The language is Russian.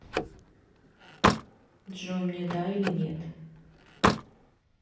джой мне да или нет